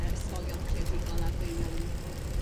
yr ysgolion creadigol arweiniol a wi'n gwybod